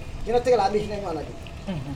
Jinɛ tɛgɛ a bɛ hinɛ ɲɔgɔn de